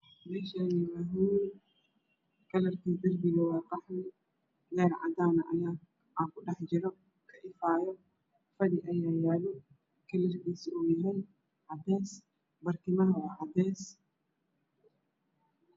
Meeshaani waa hool kalarka darbiga qaxwi leyr cadaan ah ka ifaayo. Fadhi ayaa yaalo kalarkiisu uu yahay cadeys barkimaha waa cadeys.